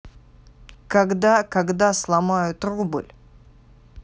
когда когда сломают рубль